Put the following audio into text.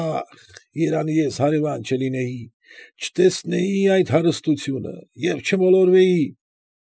Ա՜խ, երանի ես հարևան չլինեի, չտեսնեի այդ հարստությունը ե չմոլորվեի։